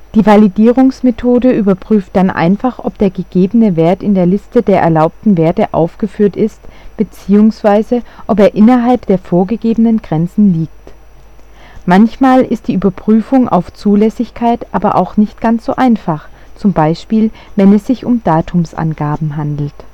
Die Validierungsmethode überprüft dann einfach ob der gegebene Wert in der Liste der erlaubten Werte aufgeführt ist, bzw. ob er innerhalb der vorgegebenen Grenzen liegt. Manchmal ist die Überprüfung auf Zulässigkeit aber auch nicht ganz so einfach, z.B. wenn es sich um Datumsangaben handelt